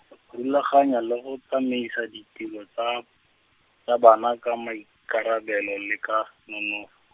rulaganya le go tsamaisa ditiro tsa, tsa bona ka maikarabelo le ka, nonofo.